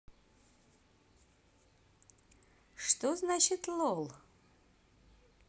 что значит лол